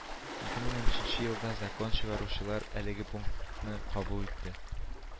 Ике мең унөченче елда закон чыгаручылар әлеге пунктны кабул итте